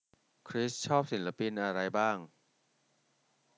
คริสชอบศิลปินอะไรบ้าง